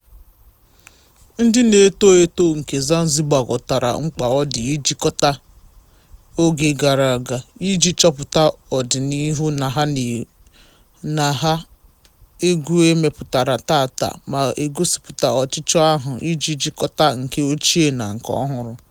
Ndị na-eto eto nke Zanzibar ghọtara mkpa ọ dị ijikọta oge gara aga iji chọpụta ọdịnihu ha na egwu e mepụtara tata na-egosipụta ọchịchọ ahụ iji jikọta nke ochie na nke ọhụrụ.